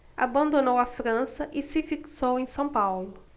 abandonou a frança e se fixou em são paulo